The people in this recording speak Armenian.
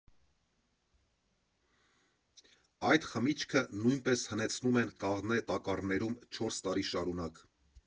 Այդ խմիչքը նույնպես հնեցնում են կաղնե տակառներում չորս տարի շարունակ։